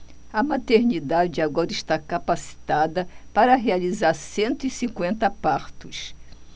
a maternidade agora está capacitada para realizar cento e cinquenta partos